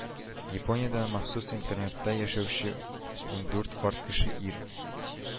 Япониядә махсус интернатта яшәүче ундүрт карт кеше ир